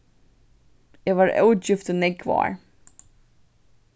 eg var ógift í nógv ár